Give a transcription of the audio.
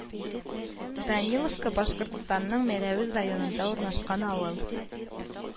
Даниловка Башкортстанның Мәләвез районында урнашкан авыл